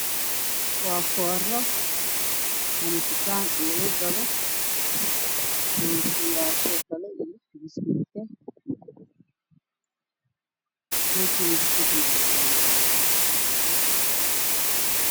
Waa dukaan lagu iibinaayo rootiyaal oo midabkoodii hay jaallo bacay ku jiraan way dulsar saaran yihiin